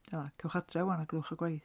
Dylai. Cerwch adra ŵan a gwnewch y gwaith.